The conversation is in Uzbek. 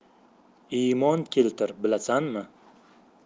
iymon keltir bilasanmi